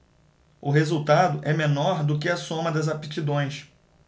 o resultado é menor do que a soma das aptidões